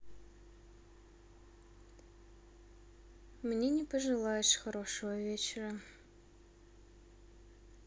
мне не пожелаешь хорошего вечера